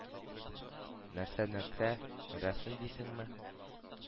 — нәрсә-нәрсә? рәсем дисеңме?